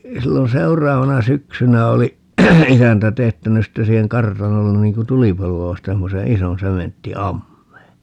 silloin seuraavana syksynä oli isäntä teettänyt sitten siihen kartanolle niin kuin tulipaloa vasten semmoisen ison sementtiammeen